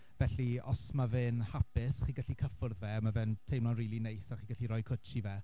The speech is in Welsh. Felly os ma' fe'n hapus, chi'n gallu cyffwrdd fe. Mae fe'n teimlo'n rili neis a chi'n gallu rhoi cwtsh i fe.